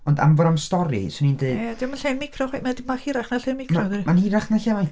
Ond am fod na'm stori, 'swn i'n dweud... Ia 'dio'm yn llên micro chwai- mae'n dm- bach hirach na llên micro dydy... Mae'n hirach na llên micro.